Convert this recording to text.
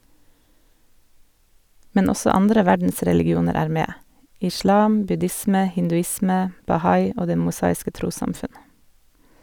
Men også andre verdensreligioner er med - islam, buddhisme, hinduisme, bahai og det mosaiske trossamfunn.